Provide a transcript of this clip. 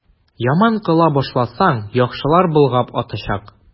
Яман кыла башласаң, яхшылар болгап атачак.